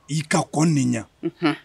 I ka kɔ nin ɲa unhun